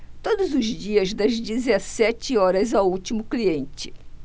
todos os dias das dezessete horas ao último cliente